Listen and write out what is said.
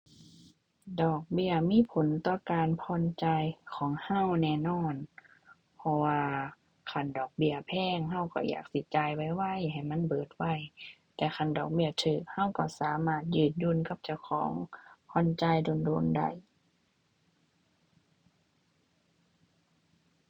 ดอกเบี้ยมีผลต่อการผ่อนจ่ายของเราแน่นอน เพราะว่าคันดอกเบี้ยแพง เราเราอยากสิจ่ายไวไวให้มันเบิดไว แต่คันดอกเบี้ยเราเราเราสามารถยืดหยุ่นกับเจ้าของ ผ่อนจ่ายโดนโดนได้